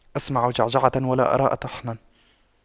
أسمع جعجعة ولا أرى طحنا